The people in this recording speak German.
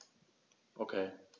Okay.